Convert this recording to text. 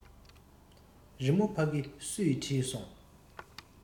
རི མོ ཕ གི སུས བྲིས སོང